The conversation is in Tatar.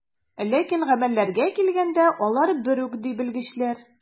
Ләкин гамәлләргә килгәндә, алар бер үк, ди белгечләр.